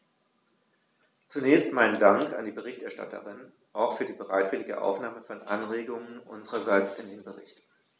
Zunächst meinen Dank an die Berichterstatterin, auch für die bereitwillige Aufnahme von Anregungen unsererseits in den Bericht.